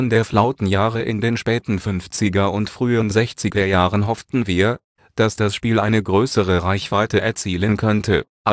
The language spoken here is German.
der Flauten-Jahre in den späten 50er - und frühen 60er-Jahren hofften wir, dass das Spiel eine größere Reichweite erzielen könnte, aber